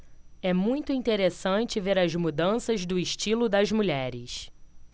é muito interessante ver as mudanças do estilo das mulheres